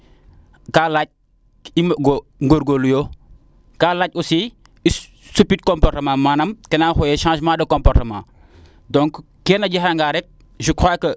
kaa laac i moƴo ngorgorlu yo kaa laac aussi i supit comportement nam keena xooyele changement de comportement donc keene jega nga rek je crois que